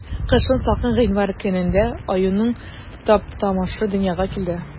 Кышын, салкын гыйнвар көнендә, аюның Таптамышы дөньяга килде.